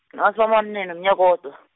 nginamasumi amane, nomnyaka owodwa.